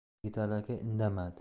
yigitali aka indamadi